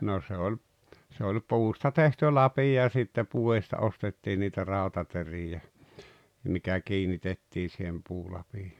no se oli se oli puusta tehty lapio ja sitten puodista ostettiin niitä rautateriä mikä kiinnitettiin siihen puulapioon